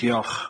Diolch.